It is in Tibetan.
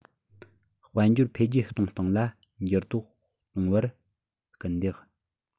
དཔལ འབྱོར འཕེལ རྒྱས གཏོང སྟངས ལ འགྱུར ལྡོག གཏོང བར སྐུལ འདེད